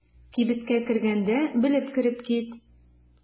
Кибеткә кергәндә белеп кереп кит.